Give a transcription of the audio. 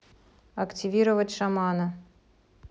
активировать шамана